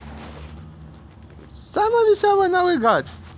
brian самый веселый новый год